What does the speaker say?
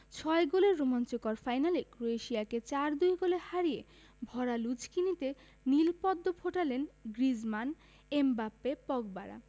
ছয় গোলের রোমাঞ্চকর ফাইনালে ক্রোয়েশিয়াকে ৪ ২ গোলে হারিয়ে ভরা লুঝকিনিতে নীল পদ্ম ফোটালেন গ্রিজমান এমবাপ্পে পগবারা